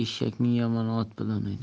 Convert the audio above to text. eshakning yomoni ot bilan o'ynar